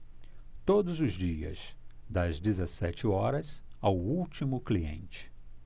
todos os dias das dezessete horas ao último cliente